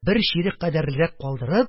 Бер чирек кадерлерәк калдырып,